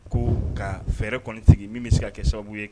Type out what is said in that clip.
Ko ka fɛɛrɛ kɔnni sigi min bɛ se ka kɛ sababu ye